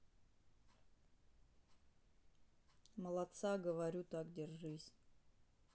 молодца говорю так держись